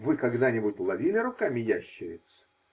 Вы когда-нибудь ловили руками ящериц?